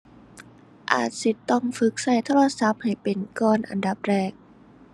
อาจสิต้องฝึกใช้โทรศัพท์ให้เป็นก่อน อันดับแรก